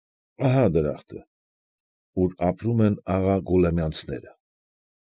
Ահա դրախտը, ուր ապրում են աղա Գուլամյանցները։